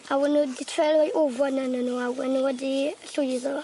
A we'n nw 'di treial roi ofon arnon nw a we' nw wedi llwyddo.